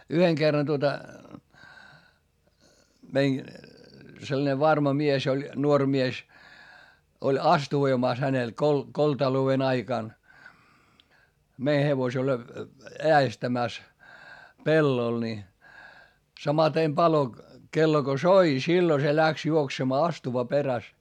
yhden kerran tuota meidän sellainen varma mies oli nuori mies oli astuvoimassa hänellä - koltalouden aikana meni hevosella äestämässä pellolla niin samaten - palokello kun soi silloin se lähti juoksemaan astuva perässä